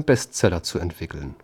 Bestseller zu entwickeln.